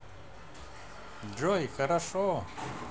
джой хорошо